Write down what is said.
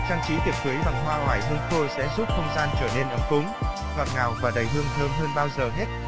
trang trí tiệc cưới bằng hoa oải hương khô sẽ giúp không gian trở nên ấm cúng ngọt ngào và đầy hương thơm hơn bao giờ hết